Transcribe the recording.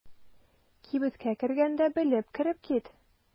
Кибеткә кергәндә белеп кереп кит.